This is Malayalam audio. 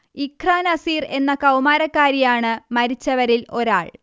ഇഖ്ര നസീർ എന്ന കൗമാരക്കാരിയാണ് മരിച്ചവരിൽ ഒരാൾ